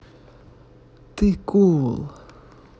ты cool